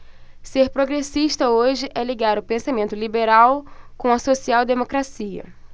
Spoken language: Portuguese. ser progressista hoje é ligar o pensamento liberal com a social democracia